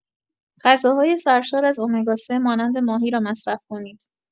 غذاهای سرشار از امگا ۳ مانند ماهی را مصرف کنید.